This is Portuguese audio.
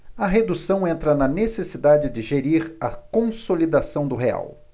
a redução entra na necessidade de gerir a consolidação do real